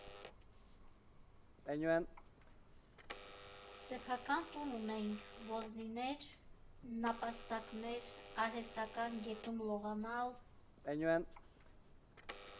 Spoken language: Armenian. Սեփական տուն ունեինք՝ ոզնիներ, նապաստակներ, արհեստական գետում լողանալ…